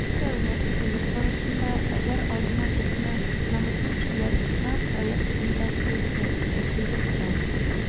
Өстәвенә, төзелеш барышында - әгәр азмы-күпме намуслы кешеләр булса - проект документациясе экспертиза уза.